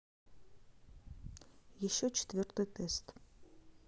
еще четвертый тест